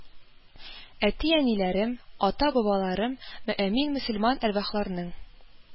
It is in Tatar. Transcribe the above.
Әти-әниләрем, ата-бабаларым, мөэмин-мөселман әрвахларның